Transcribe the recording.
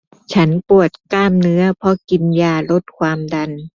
ฉันปวดกล้ามเนื้อเพราะกินยาลดความดัน